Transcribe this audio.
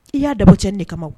I y'a dabo cɛ de kama